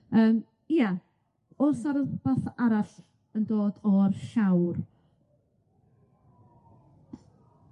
Yym ia, o's 'n rw bath arall yn dod o'r llawr?